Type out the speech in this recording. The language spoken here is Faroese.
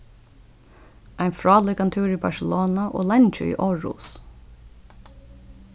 ein frálíkan túr í barcelona og leingi í aarhus